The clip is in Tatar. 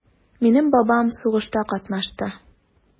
Минем бабам сугышта катнашты.